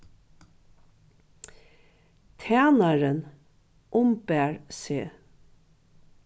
tænarin umbar seg